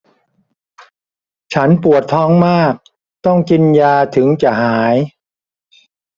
ฉันปวดท้องมากต้องกินยาถึงจะหาย